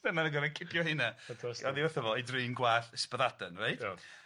A ma' fe gorfo cipio rheina. Wrth gwrs bo fo. Oddi wrtho fo i drin gwallt Ysbaddaden reit? Iawn.